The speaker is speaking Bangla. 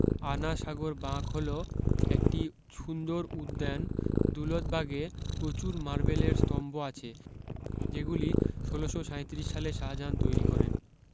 আনা সাগর বাঁক হল একটি সুন্দর উদ্যান দুলতবাগে প্রচুর মার্বেলের স্তম্ভ আছে যেগুলি ষোলশ সাঁইত্রিশ সালে শাহজাহান তৈরী করেন